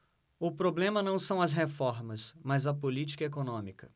o problema não são as reformas mas a política econômica